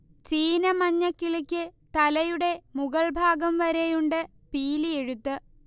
ചീന മഞ്ഞക്കിളിക്ക് തലയുടെ മുകൾഭാഗം വരെയുണ്ട് പീലിയെഴുത്ത്